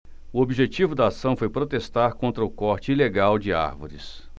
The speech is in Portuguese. o objetivo da ação foi protestar contra o corte ilegal de árvores